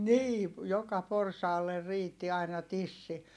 niin joka porsaalle riitti aina tissi